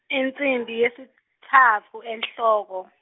insimbi yesitsatfu enhloko.